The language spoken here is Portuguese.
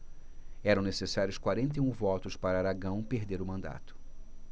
eram necessários quarenta e um votos para aragão perder o mandato